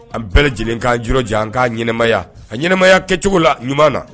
An bɛɛ lajɛlen k'an yɔrɔ janyan an k'a ɲanamaya a ɲɛnamaya kɛcogo la ɲuman na